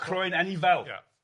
Croen anifail, de.